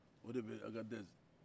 o de bɛ agadɛzi